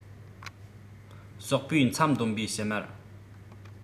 ཟོག པོའི མཚམ འདོན པའི བཞུ མར